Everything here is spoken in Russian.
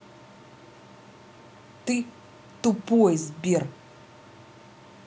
ты тупой сбер